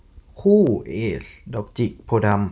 คู่เอซดอกจิกโพธิ์ดำ